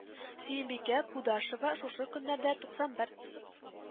СӨЕМБИКӘ КУДАШЕВА шушы көннәрдә туксан бер